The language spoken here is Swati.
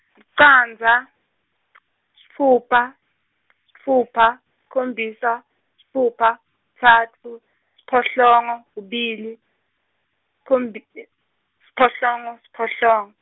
licandza , sitfupha , sitfupha, sikhombisa, sitfupha, kutsatfu, siphohlongo, kubili, khombi- , siphohlongo siphohlongo.